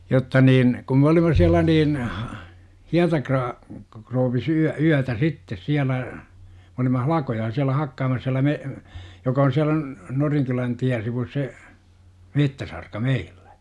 jotta niin kun me olimme siellä niin - hietakrouvisssa - yötä sitten siellä me olimme halkoja siellä hakkaamassa siellä me joka on siellä - Norinkylän tien sivussa se metsäsarka meillä